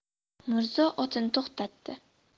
mirzo otini to'xtatdi